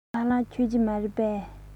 ཁོང ཁ ལག མཆོད ཀྱི མ རེད པས